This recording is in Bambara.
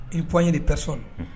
I ko an ye de tɛ sɔn